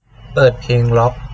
เปิดเพลงร็อค